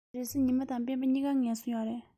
རེས གཟའ ཉི མ དང སྤེན པ གཉིས ཀར ངལ གསོ ཡོད རེད